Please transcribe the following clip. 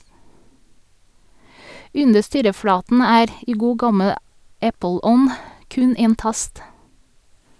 Under styreflaten er , i god gammel Apple-ånd , kun en tast.